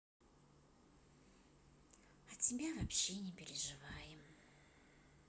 а тебя вообще не переживаем